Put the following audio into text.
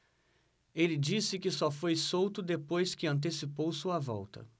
ele disse que só foi solto depois que antecipou sua volta